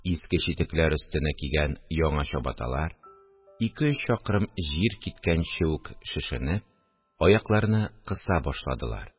Иске читекләр өстенә кигән яңа чабаталар, ике-өч чакрым җир киткәнче үк шешенеп, аякларны кыса башладылар